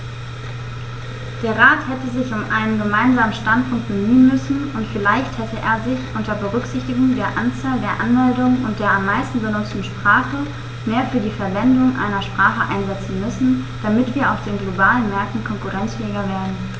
Der Rat hätte sich um einen gemeinsamen Standpunkt bemühen müssen, und vielleicht hätte er sich, unter Berücksichtigung der Anzahl der Anmeldungen und der am meisten benutzten Sprache, mehr für die Verwendung einer Sprache einsetzen müssen, damit wir auf den globalen Märkten konkurrenzfähiger werden.